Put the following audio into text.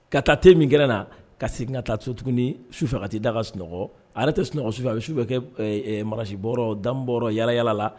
Ka taa te min kɛra na ka segin ka taa so tuguni sufɛ ka tɛ daga ka sunɔgɔ are tɛ sunɔgɔ sufɛ a bɛ su bɛ kɛ makansi bɔ dabɔ yala yalala